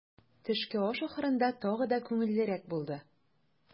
Төшке аш ахырында тагы да күңеллерәк булды.